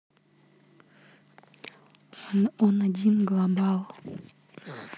он один global